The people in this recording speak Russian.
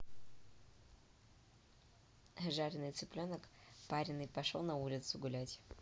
жареный цыпленок пареный пошел на улицу гулять